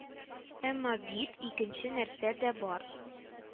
Әмма бит икенче нәрсә дә бар